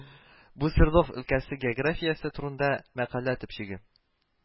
Бу Свердловск өлкәсе географиясе турында мәкалә төпчеге